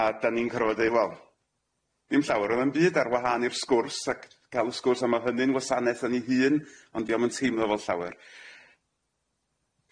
A 'dan ni'n gorfod deu' wel dim llawar o 'im byd ar wahân i'r sgwrs ac ca'l y sgwrs a ma' hynny'n wasanaeth yn ei hun ond dio'm yn teimlo fel llawer.